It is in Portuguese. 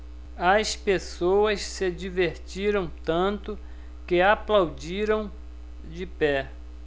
as pessoas se divertiram tanto que aplaudiram de pé